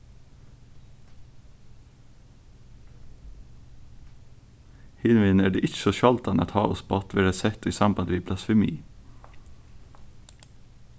hinvegin er tað ikki so sjáldan at háð og spott verða sett í samband við blasfemi